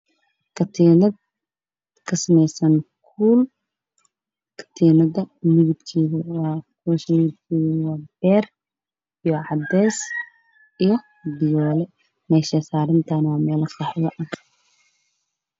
Waa katiinad kasameysan kuul midabkeedu waa cadeys, beer iyo fiyool meesha ay saaran tahay waa meel qaxwi ah.